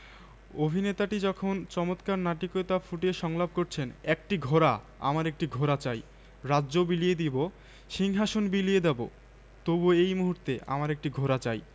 অভিনেতাটি যখন চমৎকার নাটকীয়তা ফুটিয়ে সংলাপ করছেন একটি ঘোড়া আমার একটি ঘোড়া চাই রাজ্য বিলিয়ে দেবো সিংহাশন বিলিয়ে দেবো তবু এই মুহূর্তে আমার একটি ঘোড়া চাই